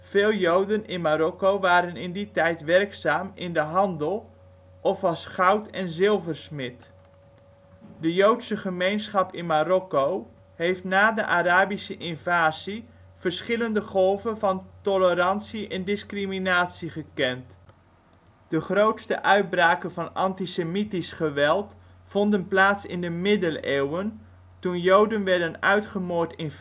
Veel Joden in Marokko waren in die tijd werkzaam in de handel of als goud - en zilversmid. De Joodse gemeenschap in Marokko heeft na de Arabische invasie verschillende golven van tolerantie en discriminatie gekend. De grootste uitbraken van antisemitisch geweld vonden plaats in de Middeleeuwen toen Joden werden uitgemoord in